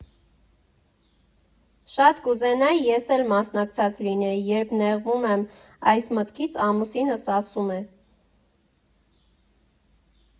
Շատ կուզենայի ես էլ մասնակցած լինեի, երբ նեղվում եմ այս մտքից, ամուսինս ասում է.